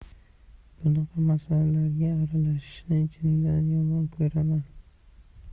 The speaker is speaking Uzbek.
bunaqa masalalarga aralashishni jinimdan yomon ko'raman